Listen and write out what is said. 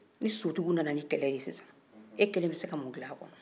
ni sotigiw nana ni kɛlɛ ye sisan e kelen bɛ se ka mun dila a kɔnɔ